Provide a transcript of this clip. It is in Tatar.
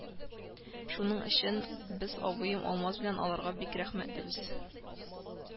Шуның өчен без абыем Алмаз белән аларга бик рәхмәтлебез